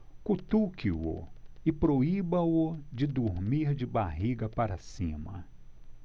cutuque-o e proíba-o de dormir de barriga para cima